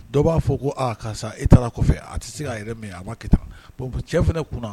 Dɔw b'a fɔ ko aa karisa i taara a tɛ se' yɛrɛ min a ma ki cɛ fana kunna